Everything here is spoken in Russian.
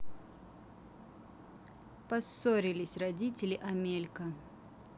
поссорились родители амелька